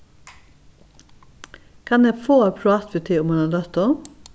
kann eg fáa eitt prát við teg um eina løtu